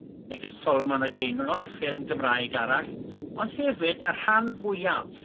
megis Solomon a Gaynor ffilm Gymraeg arall ond hefyd y rhan fwyaf